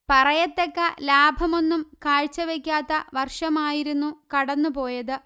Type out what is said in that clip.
പറയത്തക്ക ലാഭമൊന്നും കാഴ്ച വയ്ക്കാത്ത വർഷമായിരുന്നു കടന്നുപോയത്